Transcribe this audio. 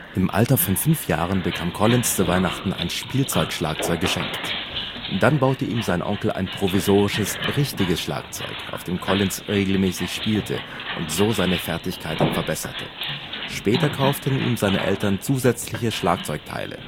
Im Alter von fünf Jahren bekam Collins zu Weihnachten ein Spielzeug-Schlagzeug geschenkt. Dann baute ihm sein Onkel ein provisorisches „ richtiges “Schlagzeug, auf dem Collins regelmäßig spielte und so seine Fertigkeiten verbesserte. Später kauften ihm seine Eltern zusätzliche Schlagzeug-Teile